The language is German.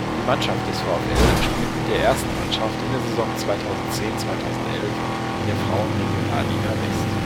Die Mannschaft des VfL spielt mit der ersten Mannschaft in der Saison 2010/11 in der Frauen Regionalliga West